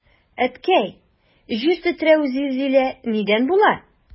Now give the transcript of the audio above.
Әткәй, җир тетрәү, зилзилә нидән була?